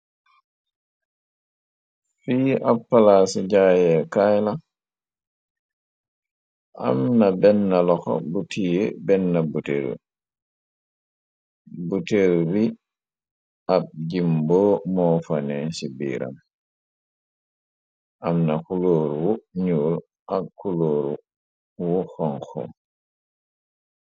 fi ab pala ci jaayee kaaylaam na benna loxo bu tii benna bbu ter bi ab jim boo moo fane ci biiram amna kulóoru nuul ak kulóor wu xonxo